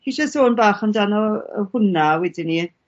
teisia sôn bach amdano y hwnna widyn ni